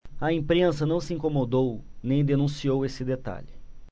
a imprensa não se incomodou nem denunciou esse detalhe